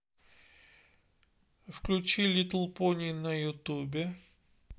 включи литтл пони на ютубе